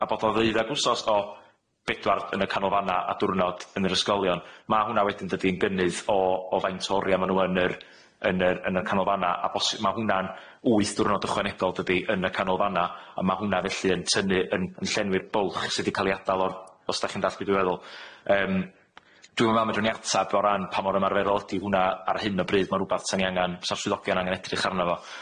A bod o ddeuddag wsos o bedwar yn y canolfanna a dwrnod yn yr ysgolion ma' hwnna wedyn dydi yn gynnydd o o faint o oria ma' nw yn yr yn yr yn y canolfanna a bos- ma' hwnna'n wyth dwrnod ychwanegol dydi yn y canolfanna a ma' hwnna felly yn tynnu yn yn llenwi'r bwlch sy' 'di ca'l i adal o'r os dach chi'n dalld be' dwi feddwl yym dwi'm yn me'wl medrwn ni atab o ran pa mor ymarferol ydi hwnna ar hyn o bryd ma' rwbath 'sa ni angan sa'r swyddogion angen edrych arno fo.